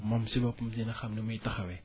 moom si boppam dina xam nu muy taxawee